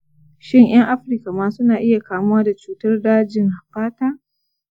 shin ‘yan afirka ma suna iya kamuwa da cutar dajin fata?